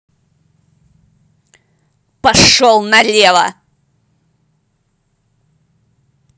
пошел налево